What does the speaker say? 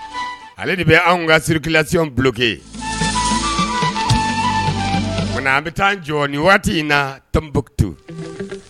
Ale de be anw ka circulation bloquer kumana an be t'aan jɔ ni waati in naa Tombouctou